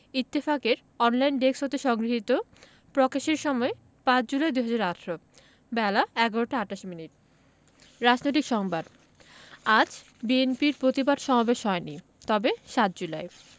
ইত্তফাকের online desk হতে সংগৃহীত প্রকাশের সময় ৫ জুলাই ২০১৮ বেলা১১টা ২৮ মিনিট রাজনৈতিক সংবাদ আজ বিএনপির প্রতিবাদ সমাবেশ হয়নি তবে ৭ জুলাই